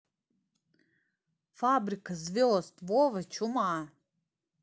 фабрика звезд вова чума